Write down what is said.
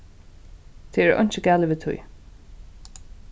tað er einki galið við tí